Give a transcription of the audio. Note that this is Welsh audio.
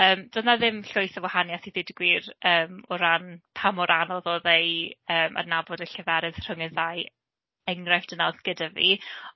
Yym doedd 'na ddim llwyth o wahaniaeth i ddweud y gwir yym o ran pam mor anodd oedd e i yy adnabod y lleferydd rhwng y ddau enghraifft yna oedd gyda fi.